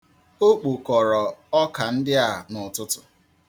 O kpokọrọ ọka ndị a n'ụtụtụ.